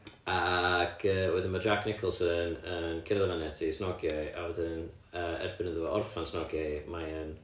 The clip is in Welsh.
Ac yy wedyn ma' Jack Nicholson yn cerdded fyny ati a snogio hi a wedyn erbyn yy iddo fo orffen snogio hi mae hi'n